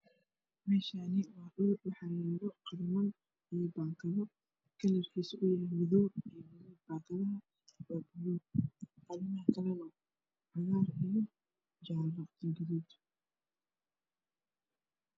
Meeshaan waxaa yaalo qaliman iyo baakado kalarkiisu waa madow baakadaha waa buluug. Qalimaha kale waa cagaar, jaale iyo gaduud.